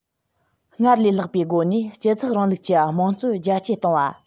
སྔར ལས ལྷག པའི སྒོ ནས སྤྱི ཚོགས རིང ལུགས ཀྱི དམངས གཙོ རྒྱ སྐྱེད གཏོང བ